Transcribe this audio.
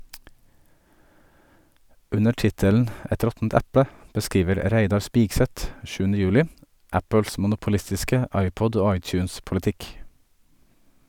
Under tittelen «Et råttent eple» beskriver Reidar Spigseth 7. juli Apples monopolistiske iPod- og iTunes-politikk.